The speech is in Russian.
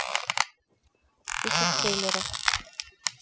список трейлеров